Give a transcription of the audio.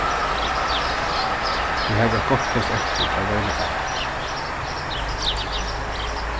eg havi eitt gott pláss eftir til at royna alt